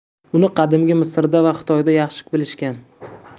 uni qadimgi misrda va xitoyda yaxshi bilishgan